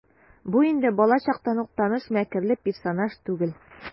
Бу инде балачактан ук таныш мәкерле персонаж түгел.